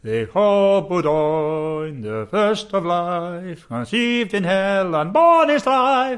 They hope that I'm the first of life, conceived in hell and born in strife.